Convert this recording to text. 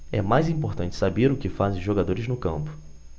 é mais importante saber o que fazem os jogadores no campo